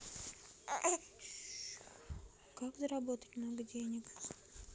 как заработать много денег